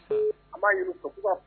An b'a yiriug